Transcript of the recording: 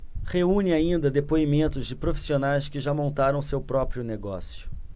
reúne ainda depoimentos de profissionais que já montaram seu próprio negócio